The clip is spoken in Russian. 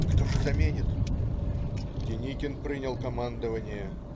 " "Кто же заменит?" - "Деникин принял командование.